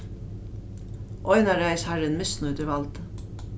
einaræðisharrin misnýtir valdið